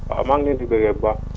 waaw maa ngi leen di bégee bu baax